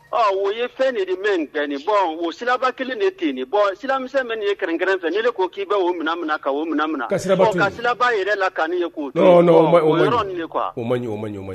Ɔ u ye fɛn de ye min tɛ nin ye, bon o siraba kelen bɛ ten, bon siramisɛn min bɛ kɛrɛfɛ, ne ko k'i b'o minɛ, k'o minɛ, ka sirabato yen, ka siraba yɛrɛ lankolo ye k'o to yen. Nqon, non o maɲi o maɲi,